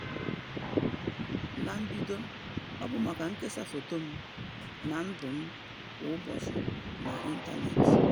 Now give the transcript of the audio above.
Na mbido, ọ bụ maka nkesa foto m, na ndụ m kwa ụbọchị n'Ịtanetị.